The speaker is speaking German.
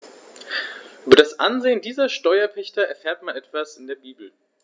Über das Ansehen dieser Steuerpächter erfährt man etwa in der Bibel.